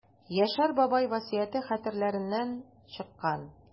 Яшәр бабай васыяте хәтерләреннән чыккан.